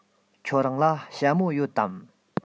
ཁྱོད རང ལ ཞྭ མོ ཡོད དམ